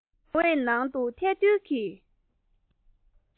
ཉི འོད ནང དུ ཐལ རྡུལ གྱི